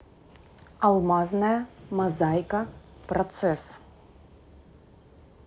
алмазная мозаика процесс